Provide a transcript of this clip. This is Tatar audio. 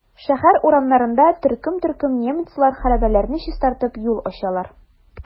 Шәһәр урамнарында төркем-төркем немецлар хәрабәләрне чистартып, юл ачалар.